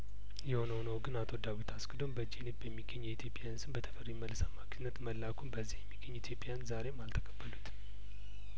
የሆነ ሆኖ ግን አቶ ዳዊት አስገዶም በጄኔቭ በሚገኝ ኢትዮጵያዊያን ስም በተፈሪ መለስ አማካኝነት መላኩን በዚህ የሚገኙ ኢትዮጵያዊያን ዛሬም አልተቀበሉትም